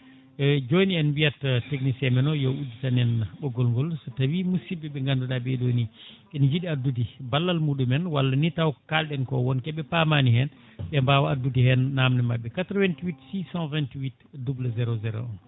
eyyi joni en mbiyat technicien men o yo udditan en ɓoggol ngol so tawi musidɓe ɓe ganduɗa ɓe ɗo ni ene jiiɗi addude ballal muɗumen walla taw ko kalɗen ko won koɓe pamani hen ɓe mbawa addu hen namde mabɓe 88 628 00 01